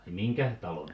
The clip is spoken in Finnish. ai minkä talon